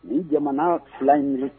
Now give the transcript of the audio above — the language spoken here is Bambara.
Nin jamana fila ɲini